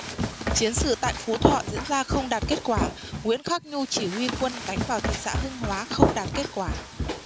chiến sự tại phú thọ diễn ra không đạt kết quả nguyễn khắc nhu chỉ huy quân đánh vào thị xã hưng hóa không đạt kết quả